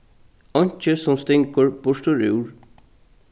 einki sum stingur burturúr